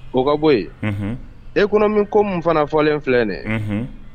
O ka bɔ yen e kɔnɔ min ko mun fana fɔlen filɛ dɛ